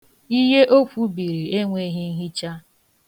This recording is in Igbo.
Ihe o kwubiri enweghi nhicha.